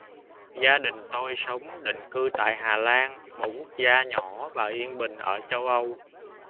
gia đình tôi sống định cư tại hà lan một quốc gia nhỏ và yên bình ở châu âu